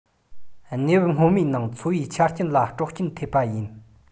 གནས བབ སྔོན མའི ནང འཚོ བའི ཆ རྐྱེན ལ དཀྲོག རྐྱེན ཐེབས པས ཡིན ཞིང